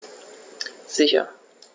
Sicher.